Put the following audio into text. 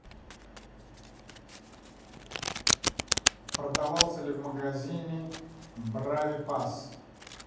продавался ли в магазине brawl pass